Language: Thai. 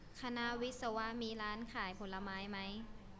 คณะวิศวะมีร้านขายผลไม้ไหม